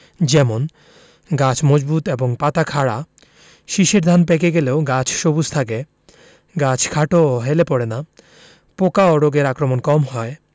যেমন গাছ মজবুত এবং পাতা খাড়া শীষের ধান পেকে গেলেও গাছ সবুজ থাকে গাছ খাটো ও হেলে পড়ে না পোকা ও রোগের আক্রমণ কম হয়